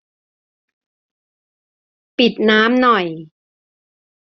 ปิดน้ำหน่อย